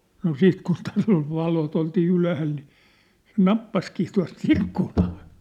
no sitten kun täällä oli valot oltiin ylhäällä niin se nappasikin tuossa - ikkunaan